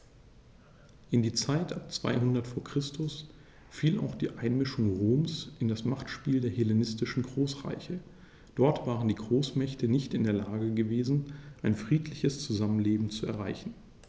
In die Zeit ab 200 v. Chr. fiel auch die Einmischung Roms in das Machtspiel der hellenistischen Großreiche: Dort waren die Großmächte nicht in der Lage gewesen, ein friedliches Zusammenleben zu erreichen.